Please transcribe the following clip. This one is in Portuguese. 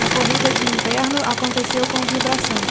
a corrida de inverno aconteceu com vibração